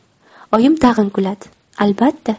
oyim tag'in kuladi albatta